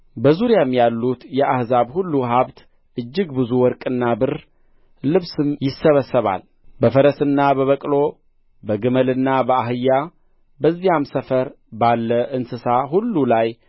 በዙሪያም ያሉት የአሕዛብ ሁሉ ሀብት እጅግ ብዙ ወርቅና ብር ልብስም ይሰበሰባል በፈረስና በበቅሎ በግመልና በአህያ በዚያም ሰፈር ባለ እንስሳ ሁሉ ላይ